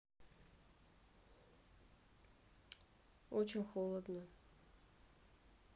очень холодно